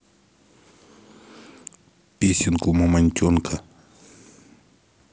песенку мамонтенка